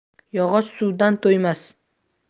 yog'och suvdan to'ymas